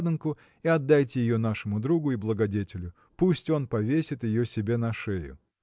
ладанку и отдайте ее нашему другу и благодетелю пусть он повесит ее себе на шею.